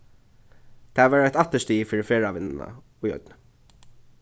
tað var eitt afturstig fyri ferðavinnuna í oynni